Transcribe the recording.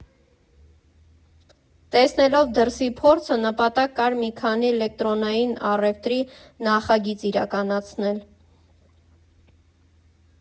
Տեսնելով դրսի փորձը՝ նպատակ կար մի քանի էլեկտրոնային առևտրի նախագիծ իրականացնել։